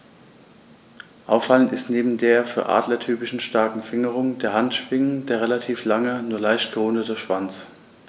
Auffallend ist neben der für Adler typischen starken Fingerung der Handschwingen der relativ lange, nur leicht gerundete Schwanz.